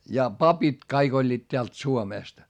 ja papit kaikki olivat täältä Suomesta